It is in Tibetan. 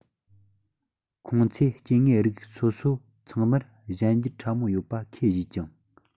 ཁོང ཚོས སྐྱེ དངོས རིགས སོ སོ ཚང མར གཞན འགྱུར ཕྲ མོ ཡོད པ ཁས བཞེས ཀྱང